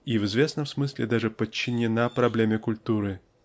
а в известном смысле даже подчинена проблеме культуры